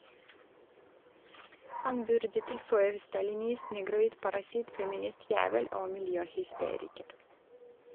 Han burde tilføye "stalinist", "negroid", "parasitt", "feministjævel" og "miljøhysteriker".